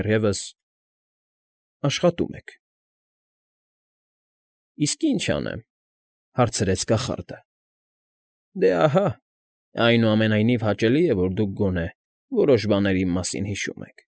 Դեռևս… աշխատում եք։ ֊ Իսկ ի՞նչ անեմ, ֊ հարցրեց կախարդը։ ֊ Դե ահա, այնուամենայնիվ հաճելի է, որ դուք գոնե որոշ բաներ իմ մասին հիշում եք։